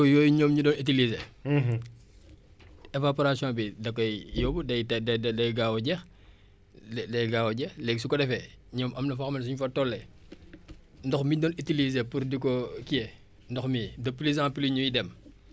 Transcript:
évaporation bi da koy yóbbu day day day gaaw a jeex day day gaaw a jeex léegi su ko defee ñoom am na foo xam ne suñ fa tollee ndox mi ñu doon utiliser pour di ko kiyee ndox mii de plus en plus ñuy dem ndox yooyu noonu day gën di wàññeeku